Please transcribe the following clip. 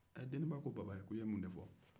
ɛɛ deninba ko baba a ko i ye mun fɔ